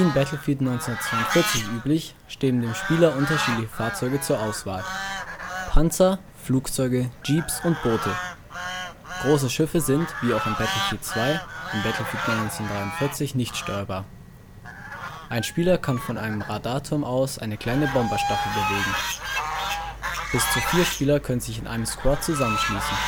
Battlefield 1942 üblich, stehen dem Spieler unterschiedliche Fahrzeuge zur Auswahl: Panzer, Flugzeuge, Jeeps und Boote. Große Schiffe sind, wie auch in Battlefield 2, in Battlefield 1943 nicht steuerbar. Ein Spieler kann von einem Radarturm aus eine kleine Bomberstaffel bewegen. Bis zu vier Spieler können sich zu einem Squad zusammenschließen